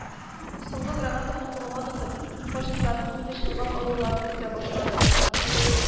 Соңгы гранатамны кулыма тотып, фашистларның мине чолгап алуларын көтә башладым